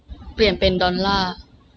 เปลี่ยนเป็นดอลล่า